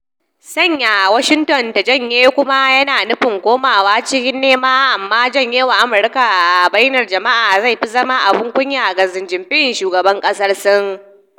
Sanya Washington ta janye kuma yana nufin komawa cikin nema, amma janye wa Amurka a bainar jama’a zai fi zama abun kunya ga Xi Jinping, Shugaban ƙasar Sin.